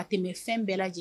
A tɛmɛ fɛn bɛɛ lajɛlen